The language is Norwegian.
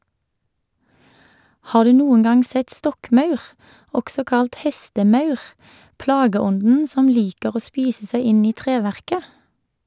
Har du noen gang sett stokkmaur, også kalt hestemaur, plageånden som liker å spise seg inn i treverket?